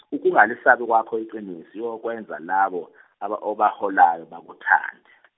ukungalesabi kwakho iqiniso kuyokwenza labo aba- obaholayo bakuthande .